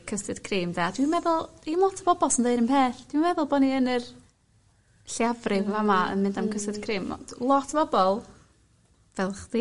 ...custard creme 'de. A dwi'n meddwl ddim lot o bobol sy'n ddeu 'r un peth. Dwi'n meddwl bo' ni yn yr lleafrif fama yn mynd am custard cream. Ond lot bobol fel chdi...